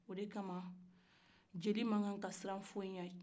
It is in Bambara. o de kama jeli mankan ka siran foyi ɲɛ